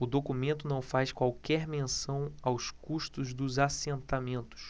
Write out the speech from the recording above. o documento não faz qualquer menção aos custos dos assentamentos